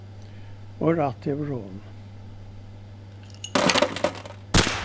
og rætt hevur hon